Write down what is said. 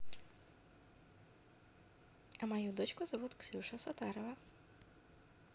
а мою дочку зовут ксюша саттарова